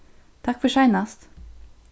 takk fyri seinast